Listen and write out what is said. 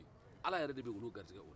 ala yɛrɛ de bɛ olu garisɛgɛ